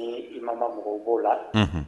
N i ma ma mɔgɔw bo la